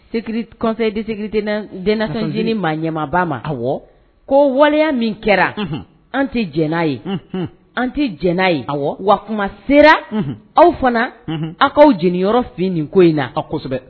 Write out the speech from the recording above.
Dsencinin maa ɲɛba ma aw ko waleya min kɛra an tɛ jɛnɛ ye an tɛ jɛnɛ ye aw wa kuma sera aw fana aw' jiginyɔrɔ fini nin ko in na kosɛbɛ